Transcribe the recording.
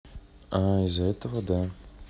а из за этого да